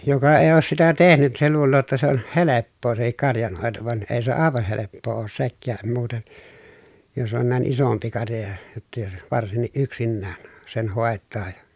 joka ei ole sitä tehnyt se luulee jotta se on helppoa sekin karjanhoito vaan ei se aivan helppoa ole sekään muuten jos on näin isompi karja ja jotta jos varsinkin yksinään sen hoitaa ja